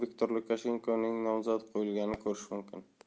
viktor lukashenkoning nomzodi qo'yilganini ko'rish mumkin